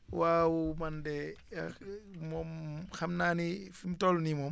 waaw man de moom xam naa ni fi mu toll nii moom